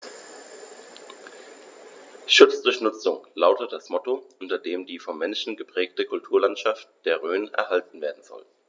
„Schutz durch Nutzung“ lautet das Motto, unter dem die vom Menschen geprägte Kulturlandschaft der Rhön erhalten werden soll.